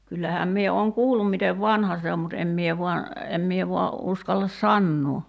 kyllähän minä olen kuullut miten vanha se on mutta en minä vain en minä vain uskalla sanoa